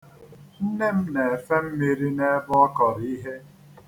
Nne m na-efe mmiri n'ebe ọ kọrọ ihe.